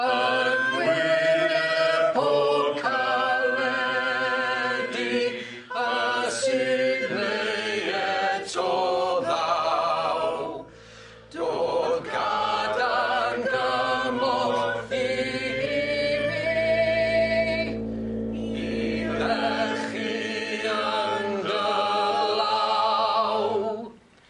Yn gwyneb pob caledi y sydd neu' eto ddaw dod gadarn gymorth byd i fi i ddechu yn dy law.